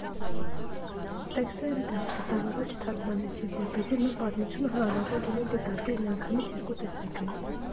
Տեքստերը դիտավորյալ չթարգմանեցին, որպեսզի նույն պատմությունը հնարավոր լինի դիտարկել միանգամից երկու տեսանկյունից։